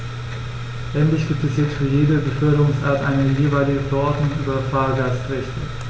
Endlich gibt es jetzt für jede Beförderungsart eine jeweilige Verordnung über Fahrgastrechte.